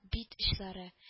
Бит очлары